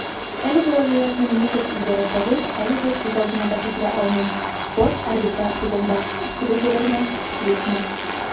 Әлеге вәзгыятьнең ничек үзгәрәчәген әлегә күз алдына да китерә алмыйм - спорт арбитраж судында тикшерү булырмы, юкмы.